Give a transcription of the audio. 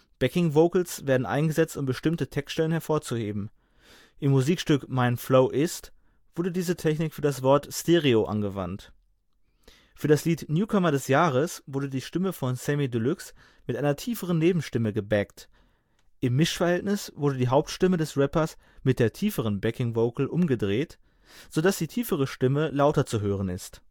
Backing Vocals werden eingesetzt, um bestimmte Textstellen hervorzuheben. Im Musikstück Mein Flow ist wurde diese Technik für das Wort „ stereo “angewandt. Für das Lied Newcomer des Jahres wurde die Stimme von Samy Deluxe mit einer tieferen Nebenstimme „ gebackt “. Im Mischverhältnis wurde die Hauptstimme des Rappers mit der tieferen Backing Vocal umgedreht, sodass die tiefere Stimme lauter zu hören ist